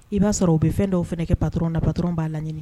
I b'a sɔrɔ o u bɛ fɛn dɔw o fana kɛ pato na da batr b'a laɲini